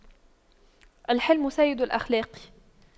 الحِلْمُ سيد الأخلاق